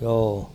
joo